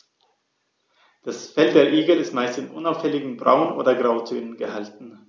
Das Fell der Igel ist meist in unauffälligen Braun- oder Grautönen gehalten.